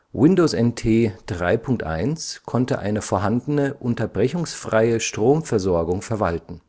Windows NT 3.1 konnte eine vorhandene unterbrechungsfreie Stromversorgung verwalten